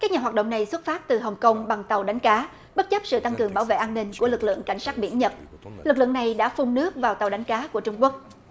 các nhà hoạt động này xuất phát từ hồng công bằng tàu đánh cá bất chấp sự tăng cường bảo vệ an ninh của lực lượng cảnh sát biển nhật lực lượng này đã phun nước vào tàu đánh cá của trung quốc